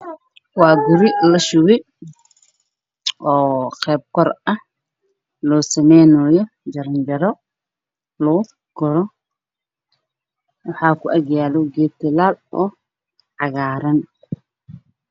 Waa guri la shubay oo qeyb kore loo sameynaayo